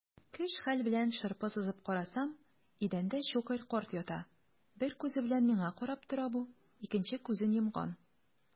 Көч-хәл белән шырпы сызып карасам - идәндә Щукарь карт ята, бер күзе белән миңа карап тора бу, икенче күзен йомган.